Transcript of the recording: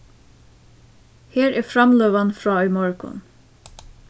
her er framløgan frá í morgun